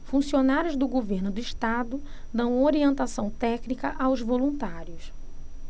funcionários do governo do estado dão orientação técnica aos voluntários